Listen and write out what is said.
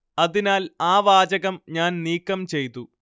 അതിനാൽ ആ വാചകം ഞാൻ നീക്കം ചെയ്തു